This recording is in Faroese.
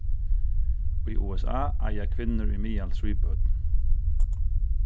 í usa eiga kvinnur í miðal trý børn